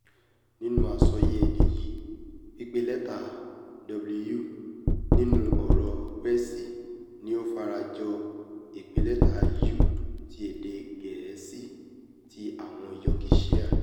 Nínú àsọyé èdé yìí pípe lẹ́tà w nínu ọ̀rọ̀ Welsh ni ó farajọ ìpè lẹ́tà u ti èdè Geesi ti àwọn Yorkshire.